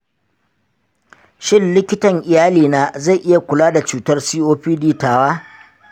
shin likitan iyalina zai iya kula da cutar copd tawa?